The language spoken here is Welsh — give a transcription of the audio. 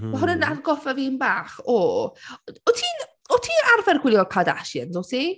Mae hwn yn atgoffa fi 'mbach o, o’t ti’n, o’t ti arfer gwylio’r Kardashians, o’t ti?